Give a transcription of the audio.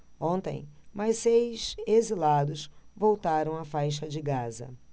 ontem mais seis exilados voltaram à faixa de gaza